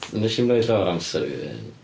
Wnes i'm rhoi llawer o amser i fi fy hun.